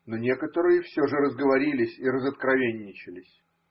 Но некоторые все же разговорились и разоткровенничались.